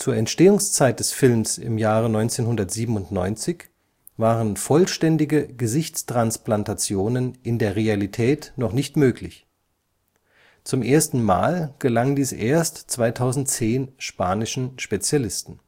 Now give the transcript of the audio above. Entstehungszeit des Films (1997) waren vollständige Gesichtstransplantationen in der Realität noch nicht möglich. Zum ersten Mal gelang dies erst 2010 spanischen Spezialisten